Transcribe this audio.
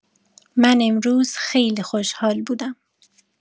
من امروز خیلی خوشحال بودم